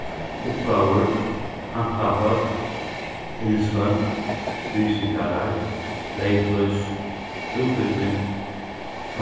uppgávur hampafólk illsvøvnt fysikarar breyðflís útbúgving